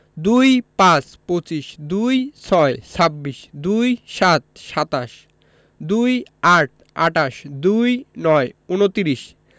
২৫ পঁচিশ ২৬ ছাব্বিশ ২৭ সাতাশ ২৮ আটাশ ২৯ ঊনত্রিশ